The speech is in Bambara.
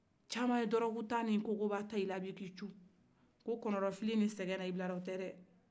caman ye dɔrɔku ta ni kogoba ta la bi ko kɔnɔdɔfili ni sɛgɛ y'u bila a la